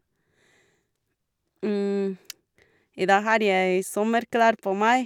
I dag har jeg sommerklær på meg.